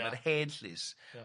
a ma'r henllys